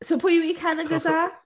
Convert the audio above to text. So pwy yw Ikenna gyda?